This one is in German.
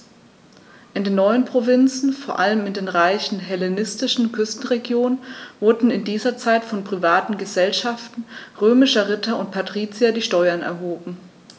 In den neuen Provinzen, vor allem in den reichen hellenistischen Küstenregionen, wurden in dieser Zeit von privaten „Gesellschaften“ römischer Ritter und Patrizier die Steuern erhoben.